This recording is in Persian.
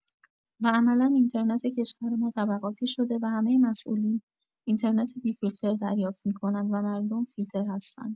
و عملا اینترنت کشور ما طبقاتی شده و همه مسولین اینترنت بی فیلتر دریافت می‌کنند و مردم فیلتر هستند.